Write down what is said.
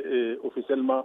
Ofisama